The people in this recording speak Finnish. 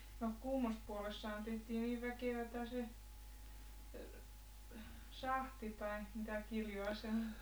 no Kuhmois-puolessahan tehtiin niin väkevää se sahti tai mitä kiljua se oli että